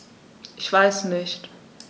Ich weiß nicht.